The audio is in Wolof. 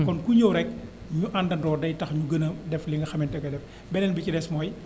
kon ku ñëw rek ñu àndandoo day tax ñu gën a def li nga xamante ne rek beneen bi ci des mooy